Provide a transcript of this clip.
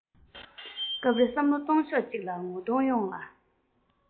སྐབས རེ བསམ བློ གཏོང ཕྱོགས གཅིག ལ ངོ གདོང ཡོངས ལ